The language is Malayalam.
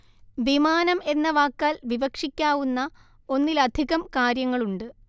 വിമാനം എന്ന വാക്കാൽ വിവക്ഷിക്കാവുന്ന ഒന്നിലധികം കാര്യങ്ങളുണ്ട്